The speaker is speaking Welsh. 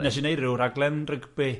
Wnes i wneud ryw raglen rygbi.